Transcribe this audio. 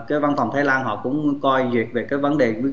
cái văn phòng thái lan họ cũng coi duyệt về cái vấn đề